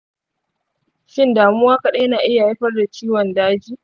shin damuwa kaɗai na iya haifar da ciwon daji?